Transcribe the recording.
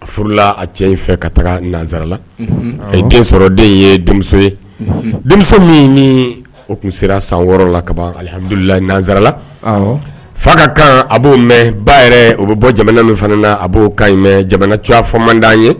A furula a cɛ in fɛ ka taga nanzsarala a ye den sɔrɔ den ye denmuso ye denmuso min ni o tun sera san wɔɔrɔ la kaban alihadulila nanzsarala fa ka kan a b'o mɛ ba yɛrɛ o bɛ bɔ jamana min fana na a'o ɲi jamana fɔma d'an ye